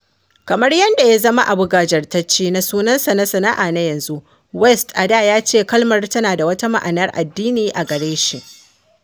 Kamar yadda ya zama abu gajartacce na sunansa na sana’a na yanzu, West a da ya ce kalmar tana da wata ma’anar addini a gare shi.